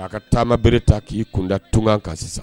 A ka taamabere ta k'i kunda tunga kan sisan